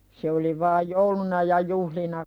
se oli vain jouluna ja juhlina